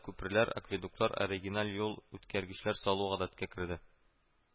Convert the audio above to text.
Күперләр, акведуклар, оригиналь юл үткәргечләр салу гадәткә керде